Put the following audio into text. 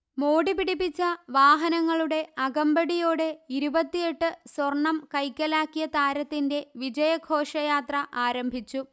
മോടിപിടിപ്പിച്ച വാഹനങ്ങളുടെ അകമ്പടിയോടെ ഇരുപത്തിയെട്ട് സ്വർണം കൈക്കലാക്കിയ താരത്തിന്റെ വിജയഘോഷയാത്ര ആരംഭിച്ചു